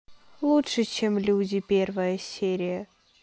лучше чем люди первая серия